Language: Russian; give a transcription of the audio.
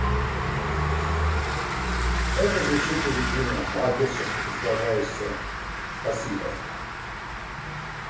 это звучит позитивно молодец что исправляешься спасибо